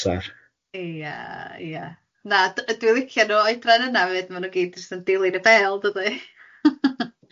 Ia ia na d- yy dwi'n licio nhw oedran yna fyd maen nhw gyd jyst yn dilyn y bêl dydi?